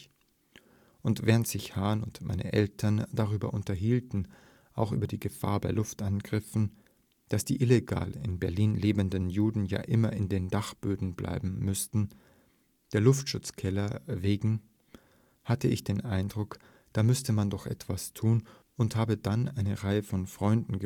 Und während sich Hahns und meine Eltern darüber unterhielten, auch über die Gefahr bei Luftangriffen, dass die illegal in Berlin lebenden Juden ja immer in den Dachböden bleiben müssten – der Luftschutzkeller wegen – hatte ich den Eindruck, da müsste man doch etwas tun und habe dann eine Reihe von Freunden